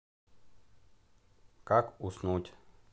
как уснуть